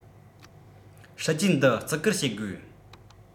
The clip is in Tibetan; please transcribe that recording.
སྲིད ཇུས འདི བརྩི བཀུར བྱེད དགོས